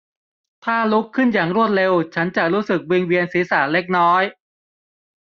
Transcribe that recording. ถ้าลุกขึ้นอย่างรวดเร็วฉันจะรู้สึกวิงเวียนศีรษะเล็กน้อย